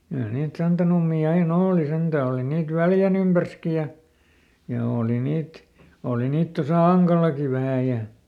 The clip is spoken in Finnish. kyllä niitä santanummia aina oli sentään oli niitä Väljän ympärissäkin ja ja oli niitä oli niitä tuossa Ankallakin vähän ja